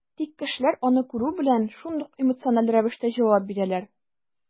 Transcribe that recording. Тик кешеләр, аны күрү белән, шундук эмоциональ рәвештә җавап бирәләр.